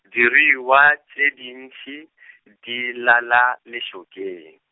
diruiwa tše di ntšhi , di lala lešokeng.